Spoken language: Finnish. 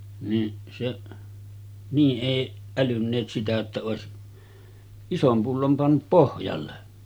niin se niin ei älynneet sitä jotta olisi ison pullon pannut pohjalle